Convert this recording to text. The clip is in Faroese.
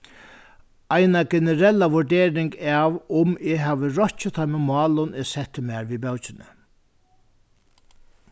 eina generella vurdering av um eg havi rokkið teimum málum eg setti mær við bókini